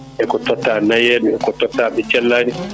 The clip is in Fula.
eko totta nayeɓe eko totta ɓe cellani